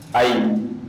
Ayi